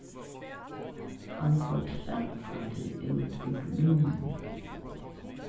hann fór trampandi út úr rúminum